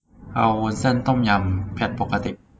เอาวุ้นเส้นต้มยำเผ็ดปกติ